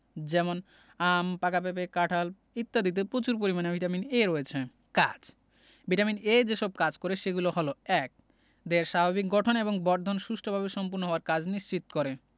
যেমন আম পাকা পেঁপে কাঁঠাল ইত্যাদিতে পচুর পরিমানে ভিটামিন A রয়েছে কাজ ভিটামিন A যেসব কাজ করে সেগুলো হলো ১. দেহের স্বাভাবিক গঠন এবং বর্ধন সুষ্ঠভাবে সম্পন্ন হওয়ার কাজ নিশ্চিত করে